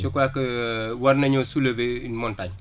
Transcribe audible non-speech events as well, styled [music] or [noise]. je crois que [hesitation] war nañu soulever une montagne